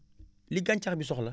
li gàncax bi soxla